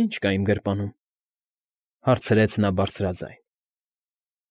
֊ Ի՞նչ կա իմ գրպանում,֊ հարցրեց նա բարձրաձայն։